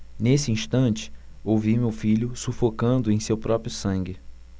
nesse instante ouvi meu filho sufocando em seu próprio sangue